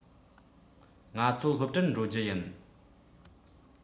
ང ཚོ སློབ གྲྭར འགྲོ རྒྱུ ཡིན